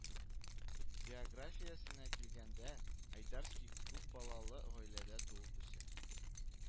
Биографиясенә килгәндә, Айдарский күп балалы гаиләдә туып-үсә